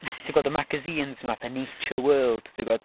Ti'n gweld y magazines yma fatha 'Nature World' ti'n gwbod?